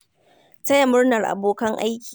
Taya murna abokan aiki